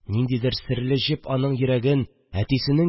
Ниндидер серле җеп аның йөрәген әтисенең